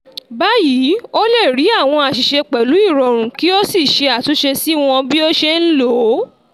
Báyìí, ó lè rí àwọn àṣìṣe pẹ̀lú ìrọ̀rùn kí o sì ṣe àtúnṣe sí wọ́n bí o ṣe ń lò ó.